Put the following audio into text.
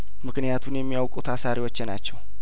ምክንያቱን የሚያውቁት አሳሪዎቼ ናቸው